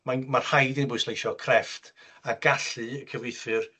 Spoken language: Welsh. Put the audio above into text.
mae'n ma' rhaid i ni bwysleisio crefft a gallu cyfieithwyr